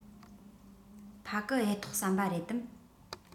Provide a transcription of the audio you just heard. ཕ གི གཡུ ཐོག ཟམ པ རེད དམ